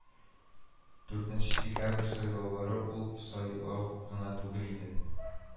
Дүртенче декабрь сайлаулары ул сайлау гына түгел иде